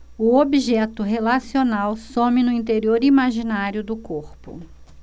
o objeto relacional some no interior imaginário do corpo